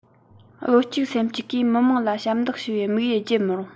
བློ གཅིག སེམས གཅིག གིས མི དམངས ལ ཞབས འདེགས ཞུ བའི དམིགས ཡུལ བརྗེད མི རུང